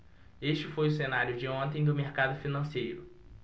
este foi o cenário de ontem do mercado financeiro